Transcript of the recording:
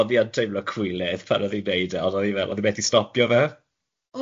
o'dd hi yn teimlo cwilydd pan o'dd hi'n neud e, o'dd hi methu stopio fe.